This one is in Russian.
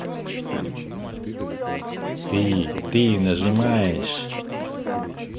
ты ты нажимаешь